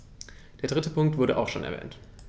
Der dritte Punkt wurde auch schon erwähnt.